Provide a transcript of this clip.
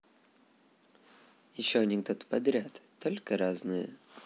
еще анекдот подряд только разные